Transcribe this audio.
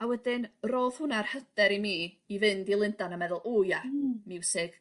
A wedyn rhodd hwnna'r hyder i mi i fynd i Lundan a meddwl o ia miwsig